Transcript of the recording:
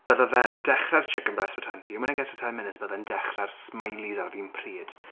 Bydda fe'n dechrau'r chicken breast for twenty and when it gets to ten minutes bydde'n dechrau'r Smiley's ar yr un pryd.